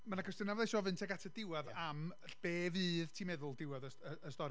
Ma' 'na cwestiynau fydda i isio gofyn tuag at y diwedd... ia. ...am be fydd ti'n meddwl diwedd y yy stori,